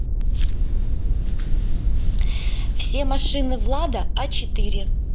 все машины влада а четыре